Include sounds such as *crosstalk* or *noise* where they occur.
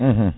*hesitation* *hesitation*